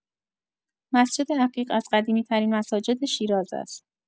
مسجد عتیق از قدیمی‌ترین مساجد شیراز است.